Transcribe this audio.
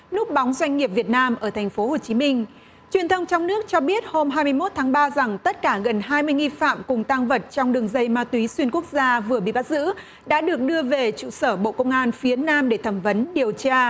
núp bóng doanh nghiệp việt nam ở thành phố hồ chí minh truyền thông trong nước cho biết hôm hai mươi mốt tháng ba rằng tất cả gần hai nghi phạm cùng tang vật trong đường dây ma túy xuyên quốc gia vừa bị bắt giữ đã được đưa về trụ sở bộ công an phía nam để thẩm vấn điều tra